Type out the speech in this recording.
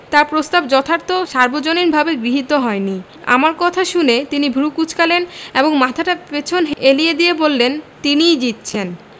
তাঁর প্রস্তাব যথার্থ সার্বজনীনভাবে গৃহীত হয়নি আমার কথা শুনে তিনি ভ্রু কুঁচকালেন এবং মাথাটা পেছন এলিয়ে দিয়ে বললেন তিনিই জিতছেন